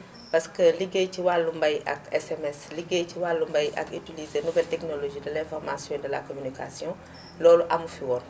parce que liggéey si wàllum mbay ak Sms liggéey ci wàllum mbay ak utilisé nouvelle technologie de l' information et de la communication loolu amu fi woon